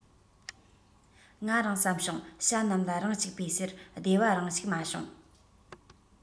ང རང བསམ རུང བྱ རྣམས ལ རང གཅིག པོས ཟེར བདེ བ རང ཞིག མ བྱུང